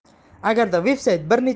agarda veb sayt bir necha